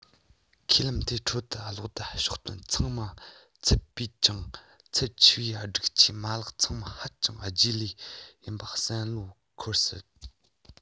ཁས ལེན དེའི ཁྲོད དུ གློག རྡུལ ཕྱོགས སྟོན ཚང མ ཚུད པའི ཅུང ཚབས ཆེ བའི སྒྲིག ཆས མ ལག ཚང མ ཧ ཅང རྗེས ལུས ཡིན པ བསམ བློར འཁོར སྲིད